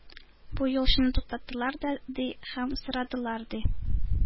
Бу юлчыны туктаттылар да, ди, һәм сорадылар, ди: